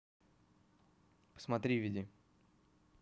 посмотри введи